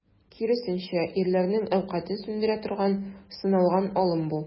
Киресенчә, ирләрнең әүкатен сүндерә торган, сыналган алым бу.